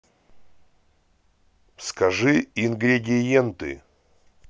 скажи ингридиенты